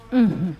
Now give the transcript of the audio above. Unhun